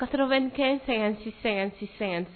95 56 56 55